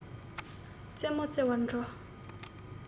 རྩེད མོ རྩེ བར འགྲོ